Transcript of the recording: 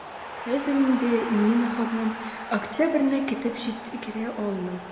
Хәзер инде Нина ханым октябрьне көтеп җиткерә алмый.